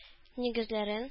Нигезләрен